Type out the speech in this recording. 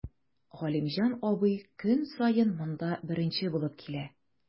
Галимҗан абый көн саен монда беренче булып килә.